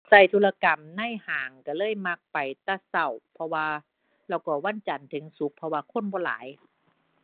ใช้ธุรกรรมในห้างใช้เลยมักไปแต่ใช้ เพราะว่า แล้วก็วันจันทร์ถึงศุกร์ เพราะว่าคนบ่หลาย